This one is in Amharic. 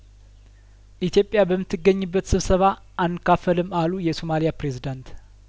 ኢትዮጵያ በምትገኝበት ስብሰባ አንካፈልም አሉ የሶማሊያ ፕሬዚዳንት